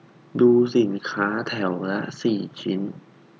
ดูสินค้าแถวละสี่ชิ้น